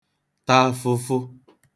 ta afụfụ